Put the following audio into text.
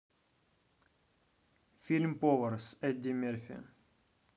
фильм повар с эдди мерфи